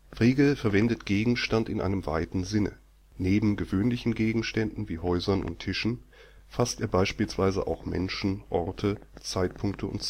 Frege verwendet „ Gegenstand “in einem weiten Sinne, neben gewöhnlichen Gegenständen wie Häusern und Tischen fasst er beispielsweise auch Menschen, Orte, Zeitpunkte und